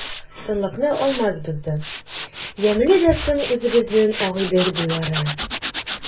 Тынлыкны Алмаз бозды:— Ямьле дә соң үзебезнең Агыйдел буйлары!